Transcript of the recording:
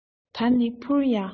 ད ནི འཕུར ཡ